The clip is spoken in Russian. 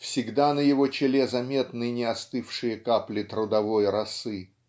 Всегда на его челе заметны неостывшие капли трудовой росы.